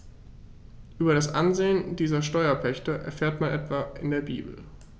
Über das Ansehen dieser Steuerpächter erfährt man etwa in der Bibel.